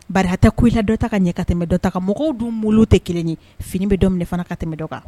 Bari a tɛ ku i la dɔ ta ka ɲɛ ka tɛmɛ dɔ ta kan mɔgɔw dun moule te 1 ye fini bɛ dɔ minɛ fana ka tɛmɛ dɔ kan